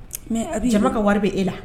Mais Habi jama ka wari bɛ e la